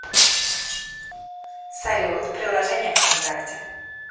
салют приложение вконтакте